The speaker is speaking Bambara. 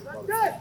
Nse dɛ